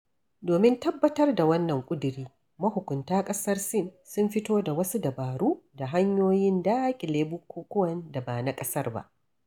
Domin tabbatar da wannan ƙuduri, mahukunta ƙasar Sin sun fito da wasu dabaru da hanyoyin daƙile bukukuwan da ba na ƙasar ba.